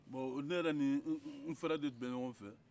bon ne yɛrɛ ni n balimakɛ de tun bɛ ɲɔgɔnfɛ